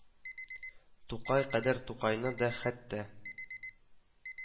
Тукай кадәр Тукайны да хәтта